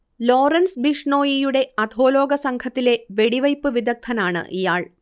Lawrence ബിഷ്നോയിയുടെ അധോലോക സംഘത്തിലെ വെടിവെയ്പ്പ് വിദഗ്ധൻ ആണ് ഇയാൾ